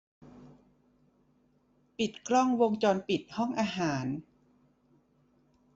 ปิดกล้องวงจรปิดห้องอาหาร